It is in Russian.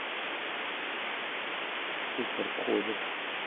ступор входит